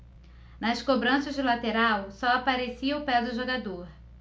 nas cobranças de lateral só aparecia o pé do jogador